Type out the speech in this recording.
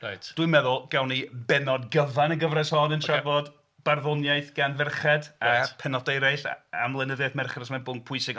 Reit... Dwi'n meddwl cawn ni bennod gyfa yn y gyfres hon yn trafod barddoniaeth gan ferched a pennodau eraill am lenyddiaeth merched achos mae'n bwnc pwysig...